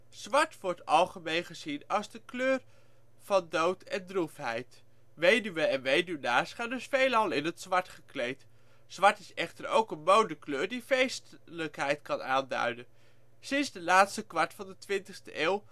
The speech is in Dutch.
Zwart wordt algemeen gezien als de kleur van dood en droefheid. Weduwen en weduwnaars gaan dus veelal in het zwart gekleed. Zwart is echter ook een modekleur, die feestelijkheid kan aanduiden. Sinds het laatste kwart van de twintigste eeuw